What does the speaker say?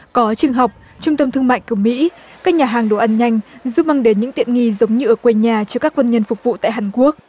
có trường học trung tâm thương mại của mỹ các nhà hàng đồ ăn nhanh giúp mang đến những tiện nghi giống như ở quê nhà cho các quân nhân phục vụ tại hàn quốc